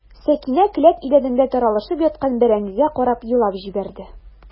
Сәкинә келәт идәнендә таралышып яткан бәрәңгегә карап елап җибәрде.